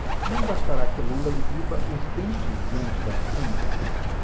não bastará que lula exiba os dentes diante das câmeras